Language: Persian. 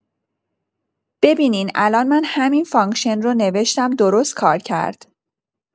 ببینین الان من همین فانکشن رو نوشتم درست‌کار کرد.